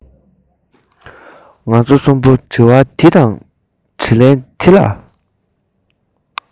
ང ཚོ གསུམ པོ དྲི བ འདི དང དྲིས ལན འདི ལ